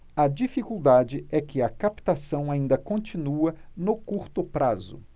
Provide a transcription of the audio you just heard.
a dificuldade é que a captação ainda continua no curto prazo